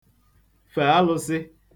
fè alụ̄sị